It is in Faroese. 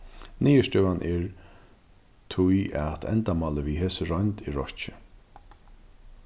niðurstøðan er tí at endamálið við hesi roynd er rokkið